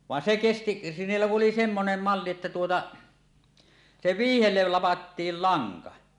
vaan se kesti niillä kun oli semmoinen malli että tuota se vyyhdelle lapettiin lanka